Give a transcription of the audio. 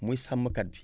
muy sàmmkat bi